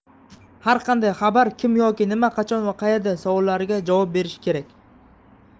har qanday xabar kim yoki nima qachon va qaerda savollariga javob berishi kerak